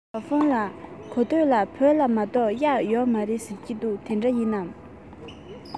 ཞའོ ཧྥུང ལགས གོ ཐོས ལ བོད ལྗོངས མ གཏོགས གཡག ཡོད མ རེད ཟེར གྱིས དེ འདྲ ཡིན ན